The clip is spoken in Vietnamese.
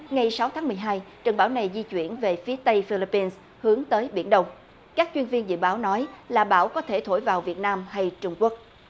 ngày sáu tháng mười hai trận bão này di chuyển về phía tây phi líp bin hướng tới biển đông các chuyên viên dự báo nói là bão có thể thổi vào việt nam hay trung quốc